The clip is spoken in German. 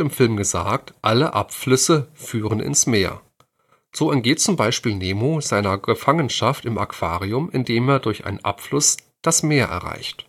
Film gesagt, alle Abflüsse führen ins Meer. So entgeht z. B. Nemo seiner Gefangenschaft im Aquarium, indem er durch einen Abfluss das Meer erreicht